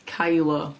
Kylo?